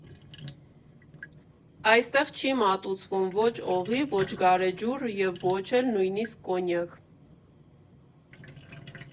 Այստեղ չի մատուցվում ոչ օղի, ոչ գարեջուր, և ոչ էլ նույնիսկ կոնյակ։